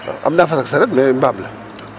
am naa fas ak sareet mais mbaam la